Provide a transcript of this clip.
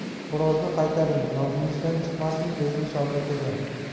xo'rozni qaytaring yodingizdan chiqmasin deydi shogirdiga